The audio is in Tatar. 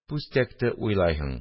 – пүстәкте уйлайһың